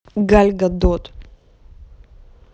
галь гадот